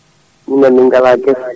minen min gala guese